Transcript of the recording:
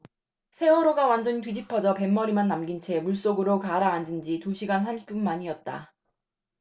세월호가 완전히 뒤집혀져 뱃머리만 남긴 채 물속으로 가라앉은 지 두 시간 삼십 분 만이었다